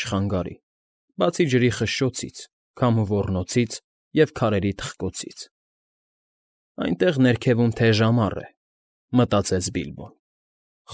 Չխանագարի, բացի ջրի խշշոցից, քամու ոռնոցից և քարերի թխկոցից։ «Այնտեղ, ներքևում թեժ ամառ է,֊ մտածեց Բիլբոն,֊